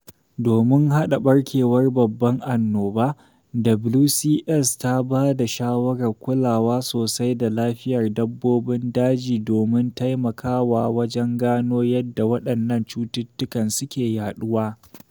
Domin hana ɓarkewar babbar annoba, WCS ta ba da shawarar kulawa sosai da lafiyar dabbobin daji domin taimakawa wajen gano yadda waɗannan cutukan suke yaɗuwa.